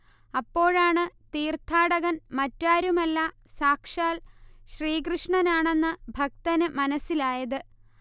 അപ്പോഴാണ് തീർത്ഥാടകൻ മറ്റാരുമല്ല സാക്ഷാൽ ശ്രീകൃഷ്ണനാണെന്ന് ഭക്തന് മനസ്സിലായത്